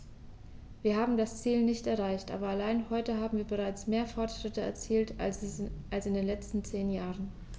Wir haben das Ziel nicht erreicht, aber allein heute haben wir bereits mehr Fortschritte erzielt als in den letzten zehn Jahren.